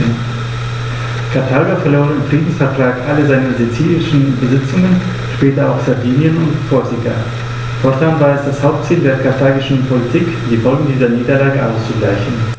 Karthago verlor im Friedensvertrag alle seine sizilischen Besitzungen (später auch Sardinien und Korsika); fortan war es das Hauptziel der karthagischen Politik, die Folgen dieser Niederlage auszugleichen.